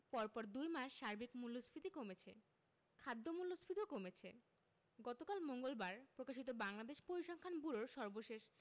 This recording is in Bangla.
পরপর দুই মাস সার্বিক মূল্যস্ফীতি কমেছে খাদ্য মূল্যস্ফীতিও কমেছে গতকাল মঙ্গলবার প্রকাশিত বাংলাদেশ পরিসংখ্যান ব্যুরোর সর্বশেষ